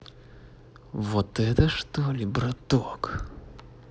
вот это что ли браток